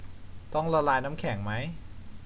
ต้องละลายน้ำแข็งไหม